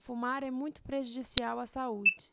fumar é muito prejudicial à saúde